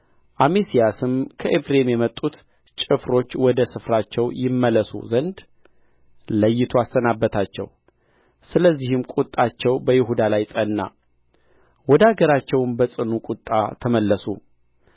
አሜስያስም ከኤፍሬም የመጡት ጭፍሮች ወደ ስፍራቸው ይመለሱ ዘንድ ለይቶ አሰናበታቸው ስለዚህም ቍጣቸው በይሁዳ ላይ ጸና ወደ አገራቸውም በጽኑ ቍጣ ተመለሱ